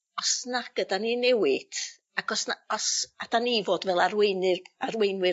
os nag ydan ni'n newit ac os na os... A 'dan ni fod fel arweinyr arweinwyr